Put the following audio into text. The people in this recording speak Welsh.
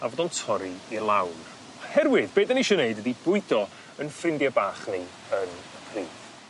a fod o'n torri i lawr oherwydd be' 'dan ni isio neud ydi bwydo 'yn ffrindie bach ni yn y pridd.